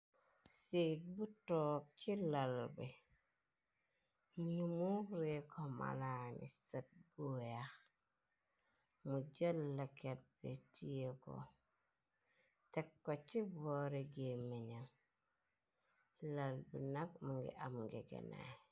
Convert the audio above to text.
Sbu toog ci lal bi nu mu ree ko malaa ni sët bu weex. Mu jëllakat bi tieko tek ko ci boore gé méñam. Lal bi nag më ngi am ngegenaay.